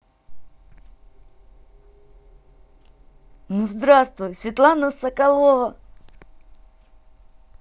ну здравствуй светлана соколова